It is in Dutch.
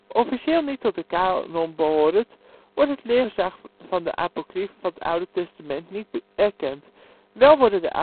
Officieel niet tot de canon behorend, wordt het leergezag van de apocriefen van het Oude Testament niet erkend. Wel worden de